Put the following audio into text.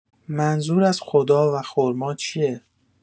منظور از خدا و خرما چیه؟